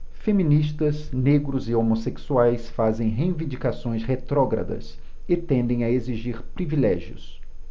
feministas negros e homossexuais fazem reivindicações retrógradas e tendem a exigir privilégios